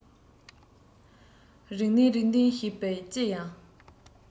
རིག གནས རིག གནས ཞེས པའི ལྕི ཡང